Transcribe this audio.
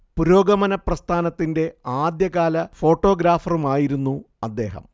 പുരോഗമന പ്രസ്ഥാനത്തിന്റെ ആദ്യകാല ഫോട്ടോഗ്രാഫറുമായിരുന്നു അദ്ദേഹം